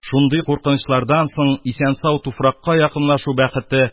Шундый куркынычлардан соң исән-сау туфракка якынлашу бәхете